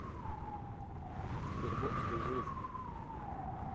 sberbox ты жив